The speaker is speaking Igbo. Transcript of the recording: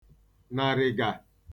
nàrị̀gà